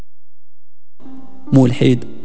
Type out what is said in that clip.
مو الحين